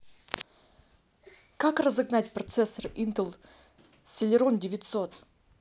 как разогнать процессор интел селерон девятьсот